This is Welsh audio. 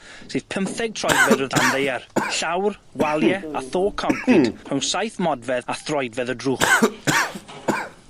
sydd pymtheg troedfed o dan ddaear, llawr, walie, a tho concrit rhwng saith modfedd a throedfedd o drwch.